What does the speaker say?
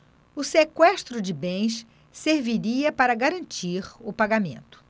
o sequestro de bens serviria para garantir o pagamento